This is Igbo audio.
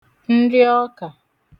nriọkà